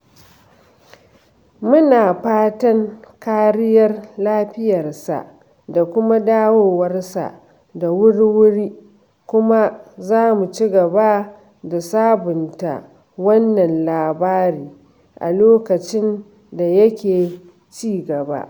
Muna fatan kariyar lafiyarsa da kuma dawowarsa da wurwuri, kuma za mu cigaba da sabunta wannan labari a lokacin da yake cigaba.